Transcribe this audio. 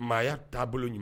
Maaya taabolo bolo ɲini